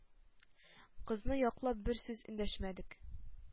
Кызны яклап бер сүз эндәшмәдек.